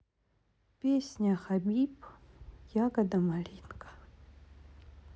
песня хабиб ягода малинка